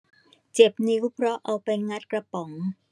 เจ็บนิ้วเพราะเอาไปงัดกระป๋อง